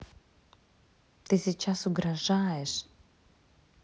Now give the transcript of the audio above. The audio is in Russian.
ты сейчас угрожаешь